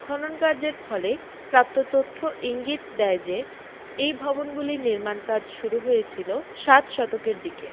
খননকার্যের ফলে প্রাপ্ত তথ্য ইঙ্গিত দেয় যে এই ভবনগুলির নির্মাণ কাজ শুরু হয়েছিল সাত শতকের দিকে